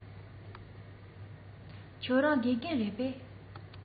ཁྱེད རང དགེ རྒན རེད པས